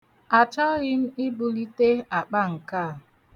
Achọghị m ibulite akpa nke a.